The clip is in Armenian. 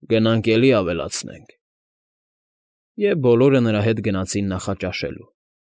Գնանք էլի ավելացնենք։ Եվ բոլորը նրա հետ գնացին նախաճաշելու։